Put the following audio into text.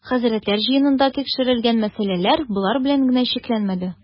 Хәзрәтләр җыенында тикшерел-гән мәсьәләләр болар белән генә чикләнмәде.